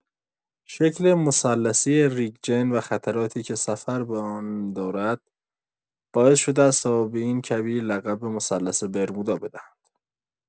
شکل مثلثی ریگ جن و خطراتی که سفر به آن دارد باعث شده است تا به این کویر لقب مثلث برمودا بدهند.